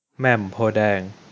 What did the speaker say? แหม่มโพธิ์แดง